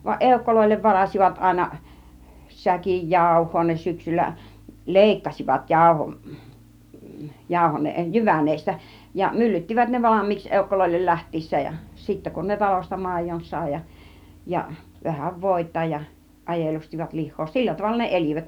vaan eukoille varasivat aina säkin jauhoa ne syksyllä leikkasivat jauhon jauho jyvän ja myllyttivät ne valmiiksi eukoille lähtiessään ja sitten kun ne talosta maidon sai ja ja vähän voita ja ajelustivat lihaa sillä tavalla ne elivät